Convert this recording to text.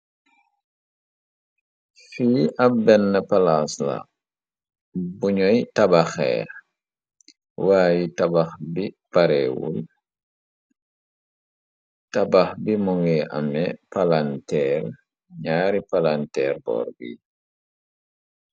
Fii ab benn palaas la buñuy tabaxxee waaye tabax bi pareewul, tabax bi mo ngi ame palanteer, ñaari palanteer boor bi.